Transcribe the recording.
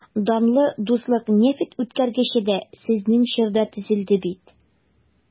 Данлы «Дуслык» нефтьүткәргече дә сезнең чорда төзелде бит...